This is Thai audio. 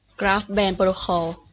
กราฟแบรนด์โปรโตคอล